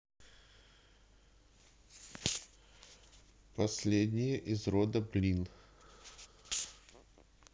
последние из рода блин